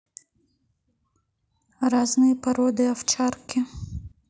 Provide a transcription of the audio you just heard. разные породы овчарки